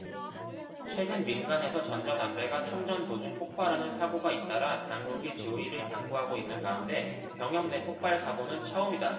최근 민간에서 전자담배가 충전 도중 폭발하는 사고가 잇따라 당국이 주의를 당부하고 있는 가운데 병영 내 폭발 사고는 처음이다